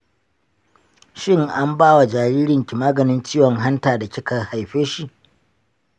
shin an bawa jaririnki maganin ciwon hanta da kika haifeshi?